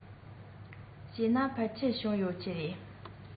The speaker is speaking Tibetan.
བྱས ན ཕལ ཆེར བྱུང ཡོད ཀྱི རེད